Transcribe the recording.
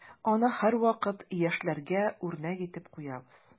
Аны һәрвакыт яшьләргә үрнәк итеп куябыз.